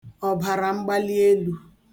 ọbàràmgbalielū